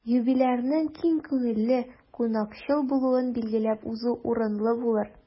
Юбилярның киң күңелле, кунакчыл булуын билгеләп узу урынлы булыр.